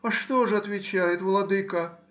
— А что же,— отвечает,— владыко?